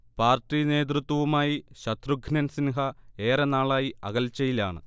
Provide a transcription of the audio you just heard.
party നേതൃത്വവുമായി ശത്രുഘ്നൻ സിൻഹ ഏറെ നാളായി അകൽച്ചയിലാണ്